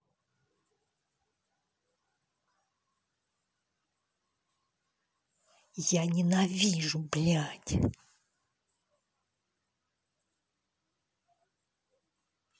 я ненавижу блять